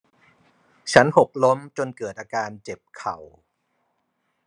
ฉันหกล้มจนเกิดอาการเจ็บเข่า